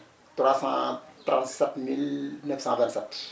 300 37 mille 927